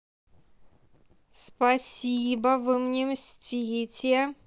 спасибо вы мне мстите